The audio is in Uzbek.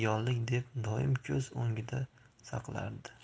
doim ko'z o'ngida saqlardi